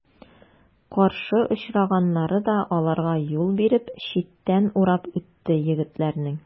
Каршы очраганнары да аларга юл биреп, читтән урап үтте егетләрнең.